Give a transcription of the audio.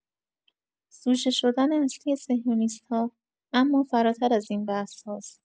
سوژه شدن اصلی صهیونیست‌ها اما فراتر از این بحث هاست.